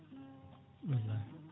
wallay